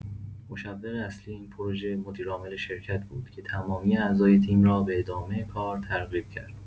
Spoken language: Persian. مشوق اصلی این پروژه، مدیرعامل شرکت بود که تمامی اعضای تیم را به ادامه کار ترغیب کرد.